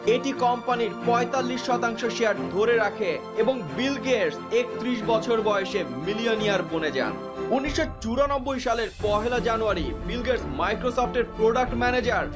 এটি কোম্পানির ৪৫ শতাংশ শেয়ার ধরে রাখে এবং বিল গেটস ৩১ বছর বয়সে মিলিওনিয়ার বনে যান ১৯৯৪ সালের পহেলা জানুয়ারি বিল গেটস মাইক্রোসফট এর প্রোডাক্ট ম্যানেজার